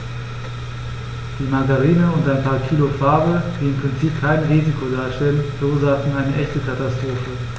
Die Margarine und ein paar Kilo Farbe, die im Prinzip kein Risiko darstellten, verursachten eine echte Katastrophe.